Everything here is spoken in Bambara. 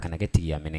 Kana kɛ tigiya mɛnɛ